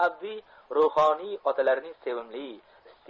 avdiy ruhoniy otalarning sevimli